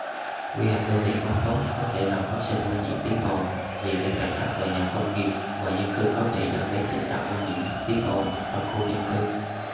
quy hoạch đô thị không tốt có thể làm phát sinh ô nhiễm tiếng ồn vì bên cạnh các tòa nhà công nghiệp và dân cư có thể dẫn đến tình trạng ô nhiễm tiếng ồn trong khu dân cư